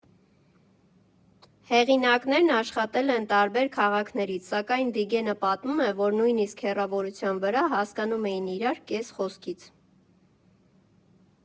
Հեղինակներն աշխատել են տարբեր քաղաքներից, սակայն Վիգէնը պատմում է, որ նույնիսկ հեռավորության վրա հասկանում էին իրար կես խոսքից։